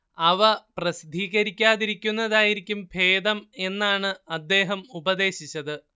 അവ പ്രസിദ്ധീകരിക്കാതിരിക്കുന്നതായിരിക്കും ഭേദം എന്നാണ് അദ്ദേഹം ഉപദേശിച്ചത്